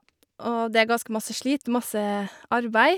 Og det er ganske masse slit, masse arbeid.